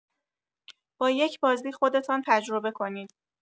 با یک بازی خودتان تجربه کنید.